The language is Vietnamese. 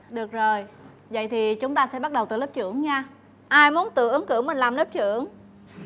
được rồi dậy thì chúng ta sẽ bắt đầu từ lớp trưởng nha ai muốn tự ứng cử mình làm lớp trưởng